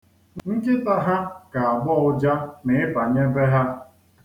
Nkịta ha ga-agbọ ụja ma i banye be ha.